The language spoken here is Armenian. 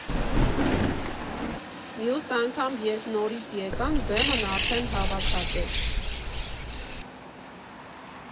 Մյուս անգամ երբ նորից եկանք՝ բեմն արդեն հավաքած էր։